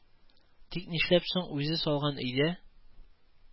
Тик нишләп соң үзе салган өйдә